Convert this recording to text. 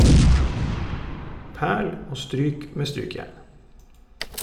Perl, og stryk med strykejern.